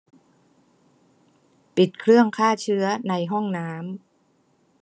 ปิดเครื่องฆ่าเชื้อในห้องน้ำ